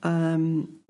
yym